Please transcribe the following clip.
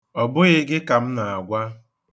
Ọ bụghị gị ka m na-agwa.